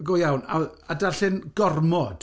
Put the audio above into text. Go iawn, a a darllen gormod.